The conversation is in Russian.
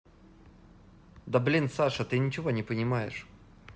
да блин саша ты ничего не понимаешь